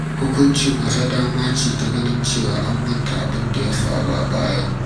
“Hukuncin wata dama ce ta ganin cewa an manta abin da ya faru a bayan.”